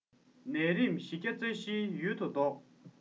ནད རིམས བཞི བརྒྱ རྩ བཞི ཡུལ དུ བཟློག